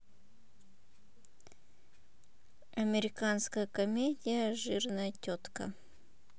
американская комедия жирная тетка